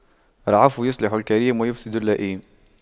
العفو يصلح الكريم ويفسد اللئيم